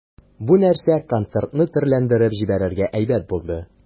Бу нәрсә концертны төрләндереп җибәрергә әйбәт булды.